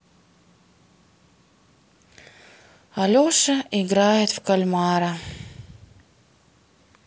алеша играет в кальмара